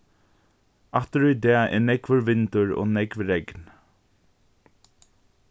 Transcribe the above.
aftur í dag er nógvur vindur og nógv regn